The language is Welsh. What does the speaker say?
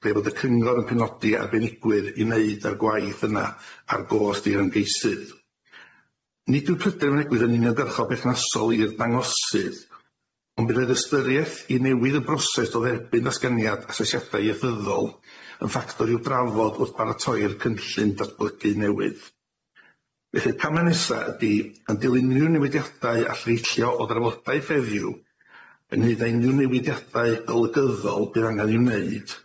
ble fod y cyngor yn penodi arbenigwyr i wneud â'r gwaith yna ar gost i'r ymgeisydd. Nid yw'r pryder a fynegwyd yn uniongyrchol berthnasol i'r dangosydd ond bydd yr ystyriaeth i newid y broses o dderbyn datganiad asesiadau ieithyddol yn ffactor i'w drafod wrth baratoi'r cynllun datblygu newydd. Felly camau nesa' ydi dilyn yn unryw newidiadau all ddeillio o drafodau heddiw ynghyd ag unryw newidiada golygyddol bydd angen i'w wneud,